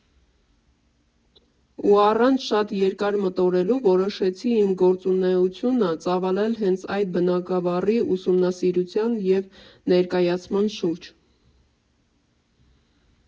Ու առանց շատ երկար մտորելու, որոշեցի իմ գործունեությունը ծավալել հենց այդ բնագավառի ուսումնասիրության և ներկայացման շուրջ։